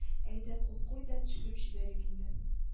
Әйдә кул куй да төшереп җибәрик инде